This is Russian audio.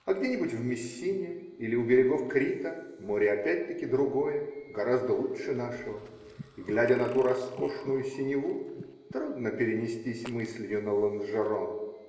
а где-нибудь в Мессине или у берегов Крита море опять-таки другое, гораздо лучше нашего, и, глядя на ту роскошную синеву, трудно перенестись мыслью на Ланжерон.